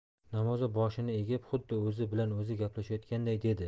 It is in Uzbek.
namozov boshini egib xuddi o'zi bilan o'zi gaplashayotganday dedi